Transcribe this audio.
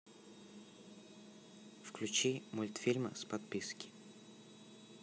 включи мультфильмы с подписки